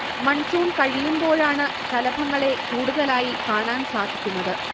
monsoon കഴിയുമ്പോഴാണ് ശലഭങ്ങളെ കൂടുതലായി കാണാൻ സാധിക്കുന്നത്